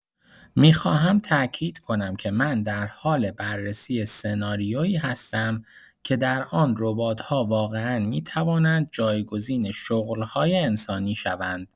می‌خواهم تاکید کنم که من در حال بررسی سناریویی هستم که در آن ربات‌ها واقعا می‌توانند جایگزین شغل‌های انسانی شوند.